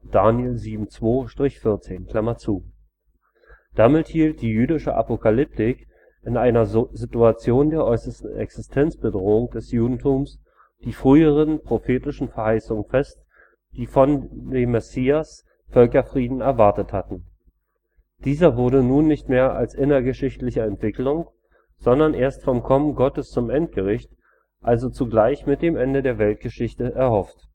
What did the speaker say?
Dan 7,2 – 14). Damit hielt die jüdische Apokalyptik in einer Situation der äußersten Existenzbedrohung des Judentums die früheren prophetischen Verheißungen fest, die vom Messias den Völkerfrieden erwartet hatten. Dieser wurde nun nicht mehr als innergeschichtliche Entwicklung, sondern erst vom Kommen Gottes zum Endgericht, also zugleich mit dem Ende der Weltgeschichte, erhofft